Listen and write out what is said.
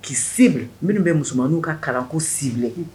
Ki minnu bɛ musomannin ka kalanko si